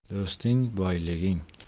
do'sting boyliging